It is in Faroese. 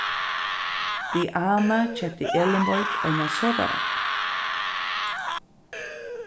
diana keypti elinborg eina sodavatn